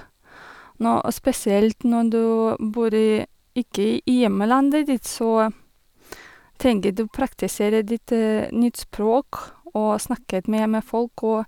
nå Og spesielt når du bor i ikke i hjemlandet ditt, så trenger du praktisere ditt nytt språk og snakket mer med folk og...